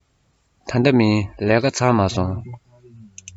ད ལྟ མིན ལས ཀ ཚར མ སོང